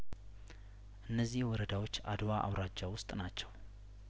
እነዚህ ወረዳዎች አድዋ አውራጃ ውስጥ ናቸው